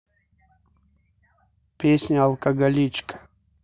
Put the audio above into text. песня алкоголичка